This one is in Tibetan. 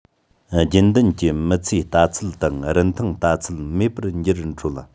རྒྱུན ལྡན གྱི མི ཚེ ལྟ ཚུལ དང རིན ཐང ལྟ ཚུལ མེད པར འགྱུར འགྲོ ལ